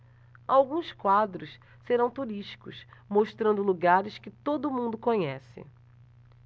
alguns quadros serão turísticos mostrando lugares que todo mundo conhece